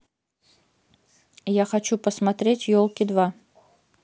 я хочу посмотреть елки два